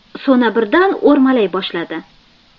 so'na birdan o'rmalay boshladi